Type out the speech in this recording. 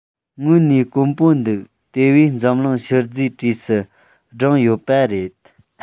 དངོས གནས དཀོན པོ འདུག དེ བས འཛམ གླིང ཤུལ རྫས གྲས སུ བསྒྲེངས ཡོད པ རེད